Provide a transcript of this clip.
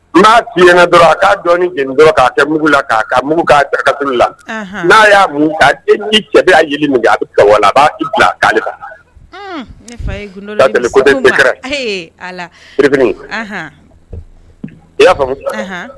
Maa biy dɔrɔn k'a dɔnnii j dɔrɔn k'a kɛ mugu la k'a ka mugu k'a ka la n'a y'a mun ka den ni gɛlɛya jiri min ka wala b bila la i y'a faamuyamu